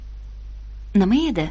nima edi